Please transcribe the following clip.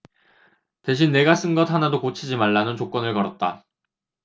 대신 내가 쓴 것 하나도 고치지 말라는 조건을 걸었다